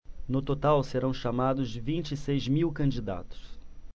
no total serão chamados vinte e seis mil candidatos